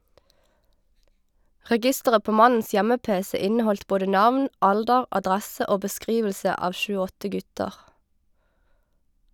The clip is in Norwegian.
Registeret på mannens hjemme-pc inneholdt både navn, alder, adresse og beskrivelse av sju-åtte gutter.